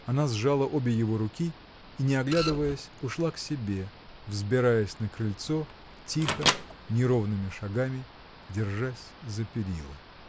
Она сжала обе его руки и, не оглядываясь, ушла к себе, взбираясь на крыльцо тихо, неровными шагами, держась за перилы.